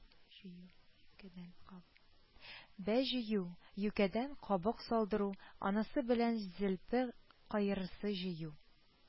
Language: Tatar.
Бә җыю; юкәдән кабык салдыру, анасы белән зелпе каерысы җыю,